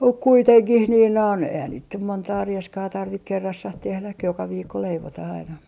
mutta kuitenkin niin noin eihän niitä nyt montaa rieskaa tarvitse kerrassaan tehdä joka viikko leivotaan aina